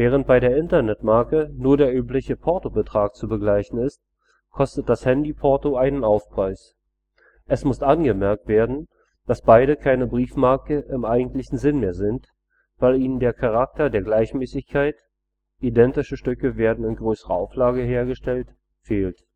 Während bei der Internetmarke nur der übliche Portobetrag zu begleichen ist, kostet das Handyporto einen Aufpreis. Es muss angemerkt werden, dass beide keine Briefmarke im eigentlichen Sinn mehr sind, weil ihnen der Charakter der Gleichmäßigkeit – identische Stücke werden in größerer Auflage hergestellt – fehlt